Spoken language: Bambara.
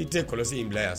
I tɛ kɔlɔsi in bila yan